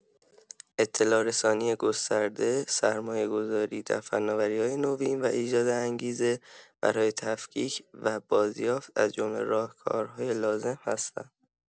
اطلاع‌رسانی گسترده، سرمایه‌گذاری در فناوری‌های نوین و ایجاد انگیزه برای تفکیک و بازیافت از جمله راهکارهای لازم هستند.